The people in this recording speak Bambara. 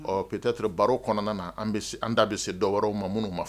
Ɔ pyitateur baro kɔnɔna na an da bɛ se dɔw wɛrɛw ma minnu ma